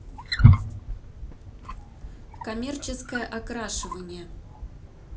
коммерческое окрашивание